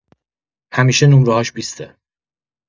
همیشه نمره‌هاش بیسته.